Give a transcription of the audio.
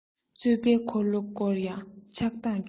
རྩོད པའི འཁོར ལོ སྐོར ཡང ཆགས སྡང རྒྱུ